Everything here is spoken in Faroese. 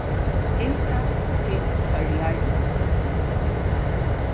innkast til føroyar